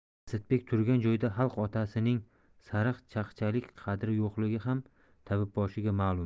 asadbek turgan joyda xalq otasi ning sariq chaqachalik qadri yo'qligi ham tabibboshiga ma'lum